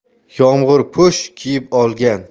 yomg'irpo'sh kiyib olgan